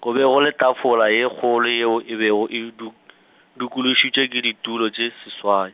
go be gole tafola e kgolo yeo e be o e duk- , du kolo šitšwe ke ditulo tše seswai.